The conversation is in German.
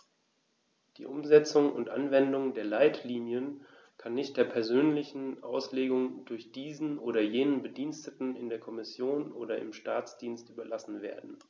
Die Umsetzung und Anwendung der Leitlinien kann nicht der persönlichen Auslegung durch diesen oder jenen Bediensteten in der Kommission oder im Staatsdienst überlassen werden.